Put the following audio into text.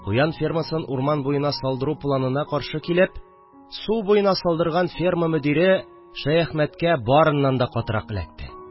Куян фермасын урман буена салдыру планына каршы килеп, су буена салдырган ферма мөдире Шәяхмәткә барыннан да катырак эләкте